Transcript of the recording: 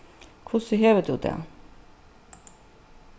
hvussu hevur tú tað